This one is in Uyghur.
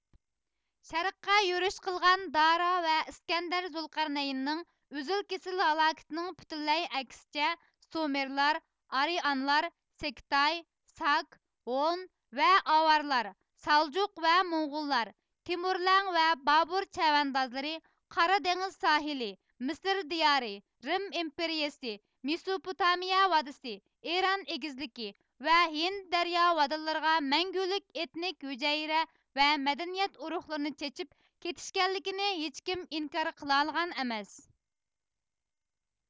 شەرققە يۈرۈش قىلغان دارا ۋە ئىسكەندەر زۇلقەر نەيىننىڭ ئۈزۈل كېسىل ھالاكىتىنىڭ پۈتۈنلەي ئەكسىچە سۇمېرلار ئارىئانلار سىكىتاي ساك ھون ۋە ئاۋارلار سالجۇق ۋە موڭغۇللار تېمۈرلەڭ ۋە بابۇر چەۋەندازلىرى قارا دېڭىز ساھىلى مىسىر دىيارى رىم ئىمپېرىيىسى مىسۇپۇتامىيە ۋادىسى ئىران ئېگىزلىكى ۋە ھىند دەريا ۋدىلىرىغا مەڭگۈلۈك ئېتنىك ھۈجەيرە ۋە مەدەنىيەت ئۇرۇقلىرى چېچىپ كېتىشكەنلىكىنى ھېچكىم ئىنكار قىلالىغان ئەمەس